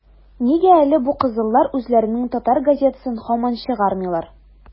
- нигә әле бу кызыллар үзләренең татар газетасын һаман чыгармыйлар?